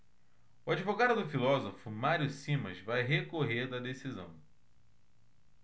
o advogado do filósofo mário simas vai recorrer da decisão